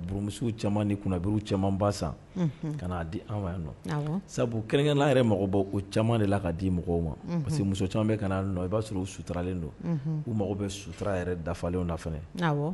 Burumuso di kun a b caman ba san ka'a di anfa nɔ sabu kɛrɛnkɛ'an yɛrɛ mɔgɔ o caman de la k'a di mɔgɔw ma parce que muso caman bɛ nɔ i b'a sɔrɔ u suturalen don u mago bɛ sutura yɛrɛ dafalen fana